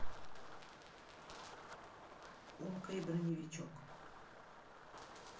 умка и броневичок